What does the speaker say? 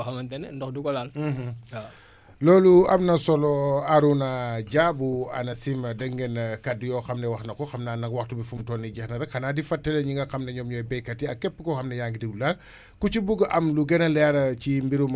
loolu am na solo Arouna Dia bu ANACIM dégg ngeen kàddu yoo xam ne wax na ko xam naa nag waxtu bi fu mu toll nii jeex na rek xanaa di fàttali ñi nga xam ne ñoom ñooy béykat yi ak képp koo xam ne yaa ngi déglu daal ku ci bugg am lu gën a leer ci mbirum changement climatique mun nga woote